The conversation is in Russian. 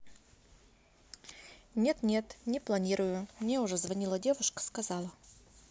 нет нет не планирую мне уже звонила девушка сказала